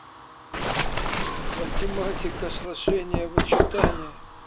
математика сложение вычитание